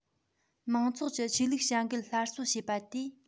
མང ཚོགས ཀྱི ཆོས ལུགས བྱ འགུལ སླར གསོ བྱས པ དེས